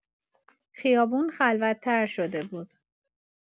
خیابون خلوت‌تر شده بود.